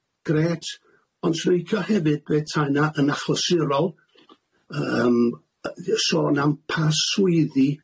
Grêt, ond swn i 'icio hefyd pe tae na yn achlysurol yym yy sôn am pa swyddi